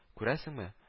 Күрәсеңме